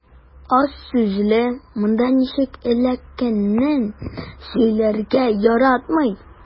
Аз сүзле, монда ничек эләккәнен сөйләргә яратмый.